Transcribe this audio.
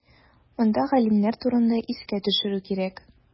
Монда галимнәр турында искә төшерү кирәк.